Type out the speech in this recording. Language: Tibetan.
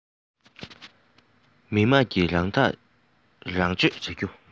མི དམངས ཀྱིས རང ཐག རང གཅོད བྱ རྒྱུ